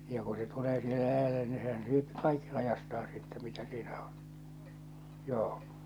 ja kun se tulee siihen läjälle niin sehän syö kaikki laidastaan sitten mitä siinä on joo